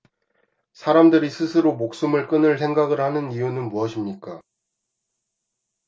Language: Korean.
사람들이 스스로 목숨을 끊을 생각을 하는 이유는 무엇입니까